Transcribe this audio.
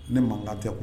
Ne mankan tɛ ko